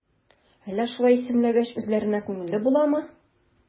Әллә шулай исемләгәч, үзләренә күңелле буламы?